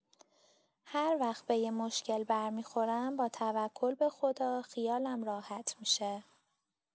هر وقت به یه مشکل برمی‌خورم، با توکل به‌خدا، خیالم راحت می‌شه.